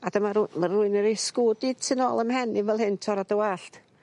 a dyma rw- ma' rywun yn roi sgwd i tu nôl ym mhen i fel hyn tora dy wallt.